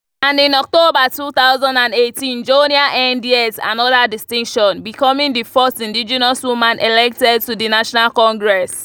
And in October 2018 Joenia earned yet another distinction, becoming the first indigenous woman elected to the National Congress.